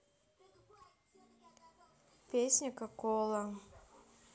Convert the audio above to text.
песня кокола